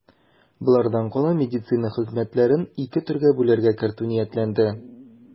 Болардан кала медицина хезмәтләрен ике төргә бүләргә кертү ниятләнде.